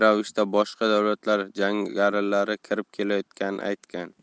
ravishda boshqa davlatlar jangarilari kirib kelayotganini aytgan